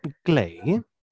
Glei.